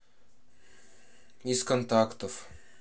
из контактов